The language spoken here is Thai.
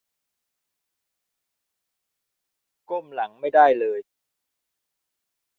ก้มหลังไม่ได้เลย